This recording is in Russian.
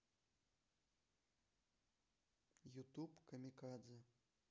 ютуб камикадзе